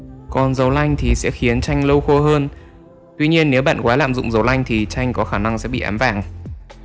còn dầu lanh sẽ khiến tranh lâu khô hơn tuy nhiến nếu bạn quá lạm dụng dầu lanh thì tranh của bạn có khả năng sẽ bị ám vàng